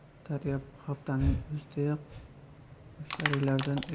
daryo bu haftaning o'zidayoq mushtariylardan